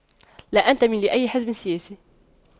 لا أنتمي لأي حزب سياسي